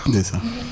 ndeysaan